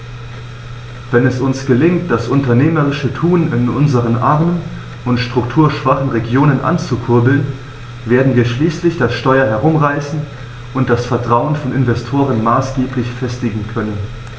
Wenn es uns gelingt, das unternehmerische Tun in unseren armen und strukturschwachen Regionen anzukurbeln, werden wir schließlich das Steuer herumreißen und das Vertrauen von Investoren maßgeblich festigen können.